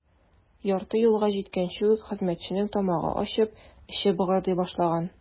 Ярты юлга җиткәнче үк хезмәтченең тамагы ачып, эче быгырдый башлаган.